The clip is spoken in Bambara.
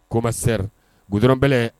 Ko ma sera g dɔrɔn bɛlɛ